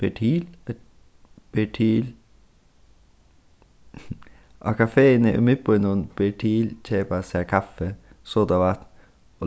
ber til ber til á kafeini í miðbýnum ber til keypa sær kaffi sodavatn